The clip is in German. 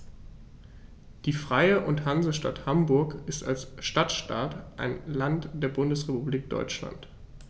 Die Freie und Hansestadt Hamburg ist als Stadtstaat ein Land der Bundesrepublik Deutschland.